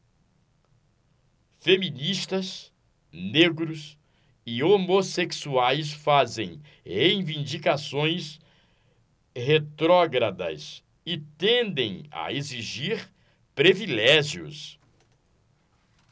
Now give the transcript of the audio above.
feministas negros e homossexuais fazem reivindicações retrógradas e tendem a exigir privilégios